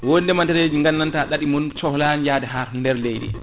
won ndeemanteɗeji ɗi gandanta mum sohlani yade ha nder leydi